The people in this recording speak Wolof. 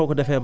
ok